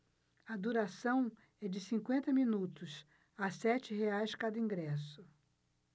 a duração é de cinquenta minutos a sete reais cada ingresso